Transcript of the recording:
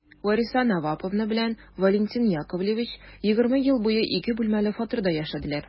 Вәриса Наваповна белән Валентин Яковлевич егерме ел буе ике бүлмәле фатирда яшәделәр.